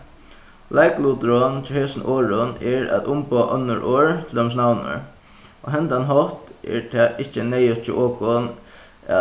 leikluturin hjá hesum orðum er at umboða onnur orð til dømis navnorð á hendan hátt er tað ikki neyðugt hjá okum